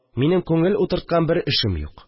Минем күңел утырткан бер эшем юк